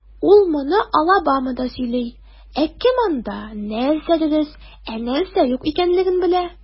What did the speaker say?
Ул моны Алабамада сөйли, ә кем анда, нәрсә дөрес, ә нәрсә юк икәнлеген белә?